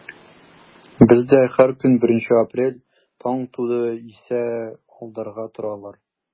Бездә һәр көн беренче апрель, таң туды исә алдарга торалар.